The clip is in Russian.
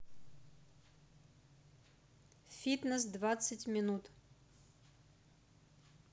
фитнес двадцать минут